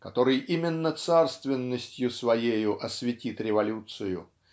который именно царственностью своею освятит революцию